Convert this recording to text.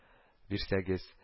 Бирсәгез